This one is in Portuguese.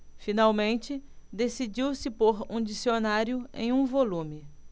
finalmente decidiu-se por um dicionário em um volume